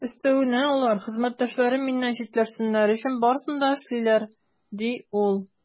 Өстәвенә, алар хезмәттәшләрем миннән читләшсеннәр өчен барысын да эшлиләр, - ди ул.